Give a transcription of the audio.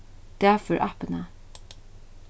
dagfør appina